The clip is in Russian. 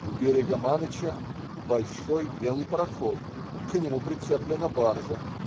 У берега Маныча - большой белый пароход, к нему прицеплена баржа.